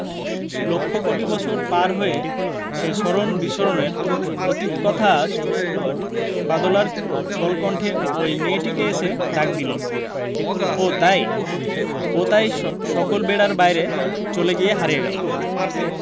লক্ষ কোটি বছর পার হয়ে সেই স্মরণ বিস্মরণের অতীত কথা আজ বাদলার কলকণ্ঠে ঐ মেয়েটিকে এসে ডাক দিল ও তাই সকল বেড়ার বাইরে চলে গিয়ে হারিয়ে গেল